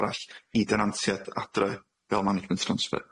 arall i dynantiad adre fel management transfer.